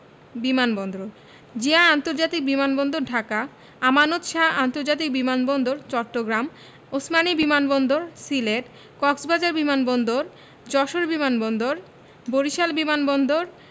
বিমান বন্দরঃ জিয়া আন্তর্জাতিক বিমান বন্দর ঢাকা আমানত শাহ্ আন্তর্জাতিক বিমান বন্দর চট্টগ্রাম ওসমানী বিমান বন্দর সিলেট কক্সবাজার বিমান বন্দর যশোর বিমান বন্দর বরিশাল বিমান বন্দর